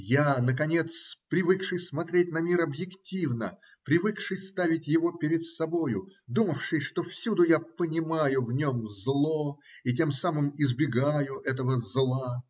я, наконец, привыкший смотреть на мир объективно, привыкший ставить его перед собою, думавший, что всюду я понимаю в нем зло и тем самым избегаю этого зла,